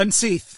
Yn syth?